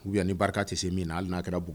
U yan ni barika tɛ se min na a n'a kɛraugu